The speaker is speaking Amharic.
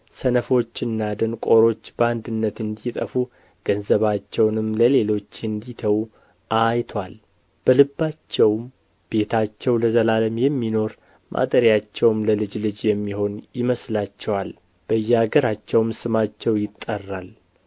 ሰነፎችችና ደንቆሮች በአንድነት እንዲጠፉ ገንዘባቸውንም ለሌሎች እንዲተዉ አይቶአል በልባቸውም ቤታቸው ለዘላለም የሚኖር ማደሪያቸውም ለልጆች ልጅ የሚሆን ይመስላቸዋል በየአገራቸውም ስማቸው ይጠራል